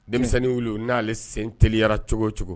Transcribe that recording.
Denmisɛnnin n'ale seneliyara cogo cogo